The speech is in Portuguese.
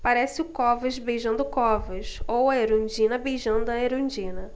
parece o covas beijando o covas ou a erundina beijando a erundina